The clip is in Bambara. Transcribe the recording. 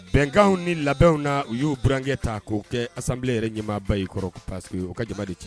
Bɛnkanw ni labɛnw na u y'o bkɛ ta k'o kɛ asanbilen yɛrɛ ɲɛmaaba ye kɔrɔ passeke ye o ka ja de cɛ